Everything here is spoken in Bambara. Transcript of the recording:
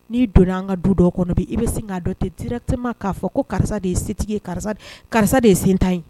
Ni'i donna an ka du dɔ kɔnɔ bi i bɛ sin k'a dɔn tɛ di tema k'a fɔ ko karisa de ye setigi ye karisa karisa de ye sen tan ye